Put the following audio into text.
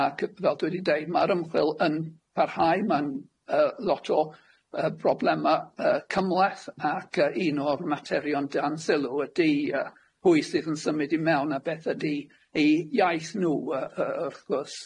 ac fel dwi wedi deud ma'r ymchwil yn parhau ma'n yy lot o yy problema yy cymleth ac yy un o'r materion dan sylw ydy yy pwy sydd yn symud i mewn a beth ydi eu iaith nw yy yy wrth gwrs